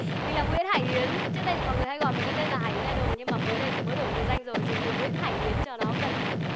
mình là nguyễn hải yến trước đây thì mọi người hay gọi với cái tên đầy đủ nhưng mà mới đây thì mới được đổi biệt danh rồi dùng từ nguyễn hải yến cho nó gần